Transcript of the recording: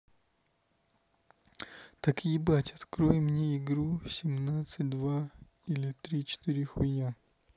так ебать открой мне игру семьдесят два или три четыре хуйня